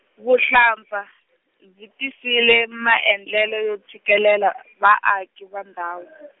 vuhlampfa, byi tisile maendlelo yo tshikelela , vaaki va ndhawu.